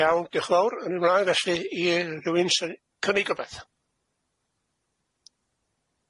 Iawn dioch yn fowr yn y blaen felly i rywun sy'n cynnig rwbeth?